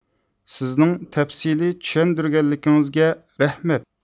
سىزنىڭ تەپسىلىي چۈشەندۈرگەنلىكىڭىزگە رەھمەت